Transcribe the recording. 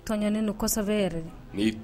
Nen don kosɛbɛ yɛrɛ